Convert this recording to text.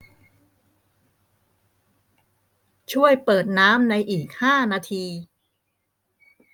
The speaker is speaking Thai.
ช่วยเปิดน้ำในอีกห้านาที